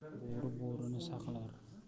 bo'ri bo'rini saqlar